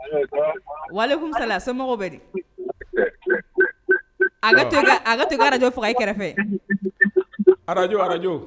Wali kunsala se bɛ ka to araj faga kɛrɛfɛ araj arajo